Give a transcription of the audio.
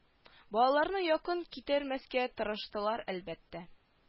Балаларны якын китермәскә тырыштылар әлбәттә